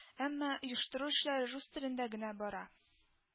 Әмма оештыру эшләре рус телендә генә бара